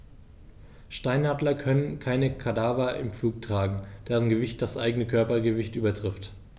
Steinadler können keine Kadaver im Flug tragen, deren Gewicht das eigene Körpergewicht übertrifft.